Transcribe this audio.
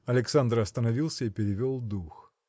Александр остановился и перевел дух.